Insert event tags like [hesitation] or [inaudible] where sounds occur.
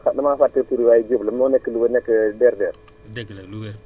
Diop mooy nan sax damaa fàtte tur bi waaye Diop la moo nekk Louga nekk [hesitation] DRDR